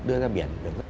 đưa ra biển để vứt